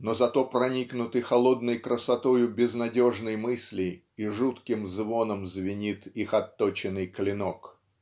но зато проникнуты холодной красотою безнадежной мысли и жутким звоном звенит их отточенный клинок.